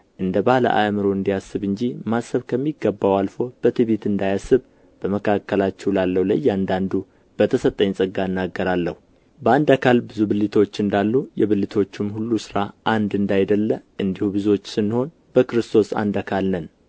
እንደ ባለ አእምሮ እንዲያስብ እንጂ ማሰብ ከሚገባው አልፎ በትዕቢት እንዳያስብ በመካከላችሁ ላለው ለእያንዳንዱ በተሰጠኝ ጸጋ እናገራለሁ በአንድ አካል ብዙ ብልቶች እንዳሉን የብልቶቹም ሁሉ ሥራ አንድ እንዳይደለ እንዲሁ ብዙዎች ስንሆን በክርስቶስ አንድ አካል ነን